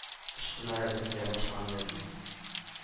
Очкыннары бөркелә башлагандай була